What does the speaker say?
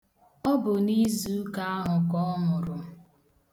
Ọ bụ n'izuụka ahụ ka ọ nwuru.